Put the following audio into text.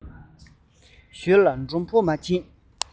ཞོལ ལ མགྲོན པོ མ མཆིས